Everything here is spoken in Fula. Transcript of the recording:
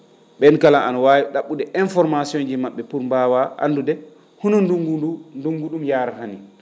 ?een kala? ano waawi ?a??ude information : fra ji ma??e pour mbaawaa anndude honoo ndunngu ndu ndungu ?um yaarara nin